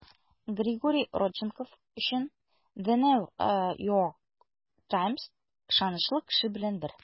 Григорий Родченков өчен The New York Times ышанычлы кеше белән бер.